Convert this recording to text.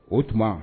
O tuma